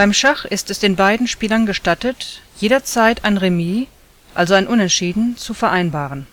Schach ist es den beiden Spielern gestattet, jederzeit ein Remis (Unentschieden) zu vereinbaren